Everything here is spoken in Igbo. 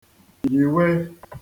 yìwe